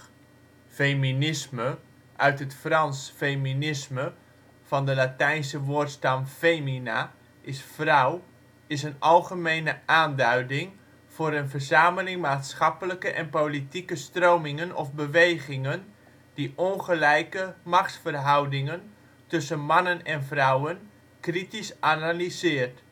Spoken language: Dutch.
Feminisme - uit het Frans féminisme, van de Latijnse woordstam femina = vrouw - is een algemene aanduiding voor een verzameling maatschappelijke en politieke stromingen of bewegingen die ongelijke (machts -) verhoudingen tussen mannen en vrouwen kritisch analyseert